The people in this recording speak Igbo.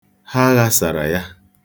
Ha ghasara ya.